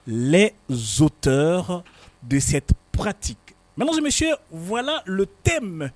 le nzo tɛ dete pati mɛ bɛ se vwala lu tɛ mɛn